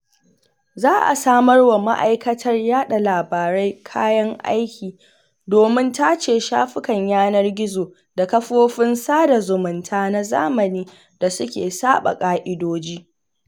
Za a samar wa Ma'aikatar Yaɗa Labarai kayan aiki domin tace shafukan yanar gizo da kafofin sada zumunta na zamani da suka saɓa ƙa'idoji.